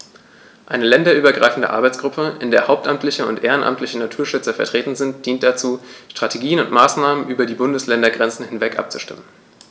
Eine länderübergreifende Arbeitsgruppe, in der hauptamtliche und ehrenamtliche Naturschützer vertreten sind, dient dazu, Strategien und Maßnahmen über die Bundesländergrenzen hinweg abzustimmen.